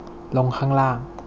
ลงข้างล่าง